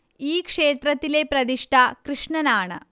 ഈ ക്ഷേത്രത്തിലെ പ്രതിഷ്ഠ കൃഷ്ണൻ ആണ്